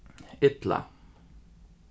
illa